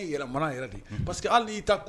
I